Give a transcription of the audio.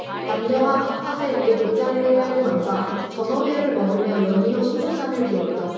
남녀가 방파제 위에 돗자리를 깔고 앉아 전어회를 먹으며 연이어 소주잔을 비웠다